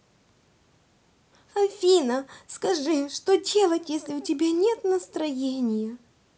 афина скажи что делать если у тебя нет настроения